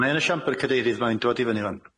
Mae yn y siamper cadeirydd, mae'n dod i fyny rŵan.